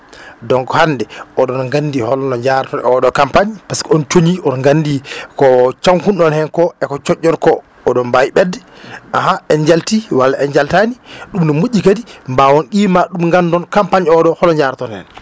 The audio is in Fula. donc hande oɗon gandi holno jaaraton e oɗo campagne par :ra ce quye on cooñi on gandi ko cankuno ɗon hen ko eko cooñɗon ko oɗon mbawi ɓedde ahan en jalti walla en jaltani ɗum ne moƴƴi de mbawon qimade ɗum gandon campagne oɗo hoto jaroton hen